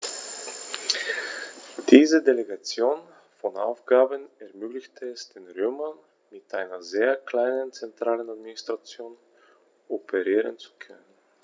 Diese Delegation von Aufgaben ermöglichte es den Römern, mit einer sehr kleinen zentralen Administration operieren zu können.